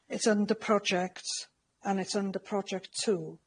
It's under projects, and it's under project two.